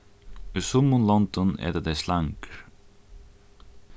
í summum londum eta tey slangur